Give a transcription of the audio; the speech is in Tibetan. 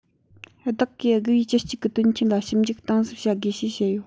བདག གིས དགུ པའི བཅུ གཅིག གི དོན རྐྱེན ལ ཞིབ འཇུག གཏིང ཟབ བྱ དགོས ཞེས བཤད ཡོད